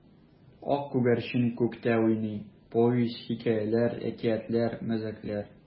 Ак күгәрчен күктә уйный: повесть, хикәяләр, әкиятләр, мәзәкләр.